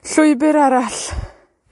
Llwybyr arall.